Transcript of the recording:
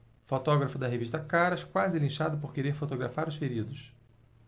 fotógrafo da revista caras quase é linchado por querer fotografar os feridos